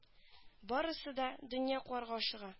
Барысы да дөнья куарга ашыга